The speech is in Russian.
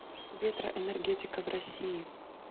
ветроэнергетика в россии